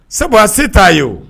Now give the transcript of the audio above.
Sabu a se t'a ye